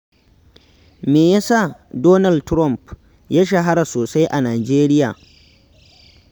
Me ya sa Donald Trump ya shahara sosai a Nijeriya?